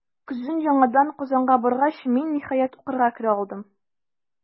Көзен яңадан Казанга баргач, мин, ниһаять, укырга керә алдым.